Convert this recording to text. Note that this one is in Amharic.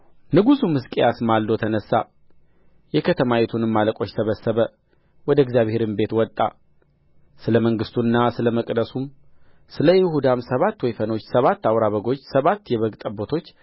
ንጉሡም ሕዝቅያስ ማልዶ ተነሣ የከተማይቱንም አለቆች ሰበሰበ ወደ እግዚአብሔርም ቤት ወጣ ስለ መንግሥቱና ስለ መቅደሱም ስለ ይሁዳም ሰባት ወይፈኖች ሰባትም አውራ በጎች ሰባትም የበግ ጠቦቶች